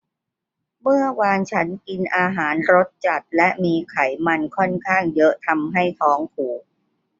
เมื่อวานฉันกินอาหารรสจัดและมีไขมันค่อนข้างเยอะทำให้ท้องผูก